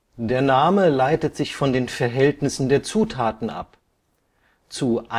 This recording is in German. wird. Der Name leitet sich von den Verhältnissen der Zutaten ab: zu